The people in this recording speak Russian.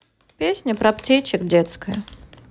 песня про птичек детская